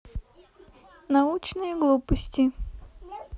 научные глупости